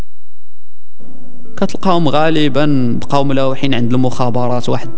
قام غالبا قوم لوحين عند المخابرات